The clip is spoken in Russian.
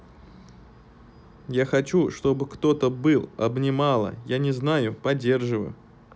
я хочу чтобы кто то был обнимала я не знаю поддерживаю